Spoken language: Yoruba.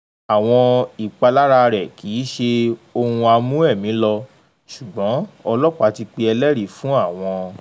Àwọn ìpalára rẹ̀ kìíṣe ohun a mú ẹ̀mí lọ ṣùgbọ́n ọlọ́pàá ti pe ẹlẹ́rìí fún àwọn .